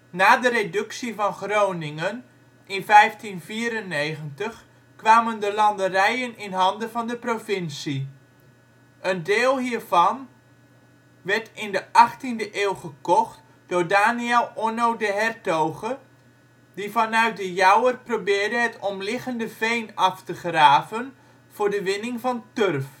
Na de Reductie van Groningen in 1594 kwamen de landerijen in handen van de provincie. Een deel hiervan werd in de achttiende eeuw gekocht door Daniël Onno de Hertoghe, die vanuit De Jouwer probeerde het omligende veen af te graven voor de winning van turf